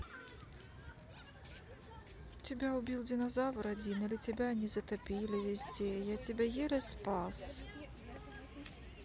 тебя убил динозавр один или тебя они затопили везде я тебя еле спас